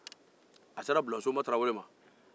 a sera bulɔnsoma tarawele ma